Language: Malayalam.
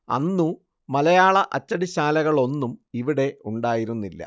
അന്നും മലയാള അച്ചടിശാലകളൊന്നും ഇവിടെ ഉണ്ടായിരുന്നില്ല